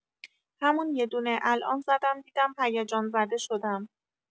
همون یدونه الان زدم دیدم هیجان‌زده شدم